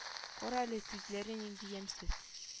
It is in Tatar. Кара әле күзләре нинди ямьсез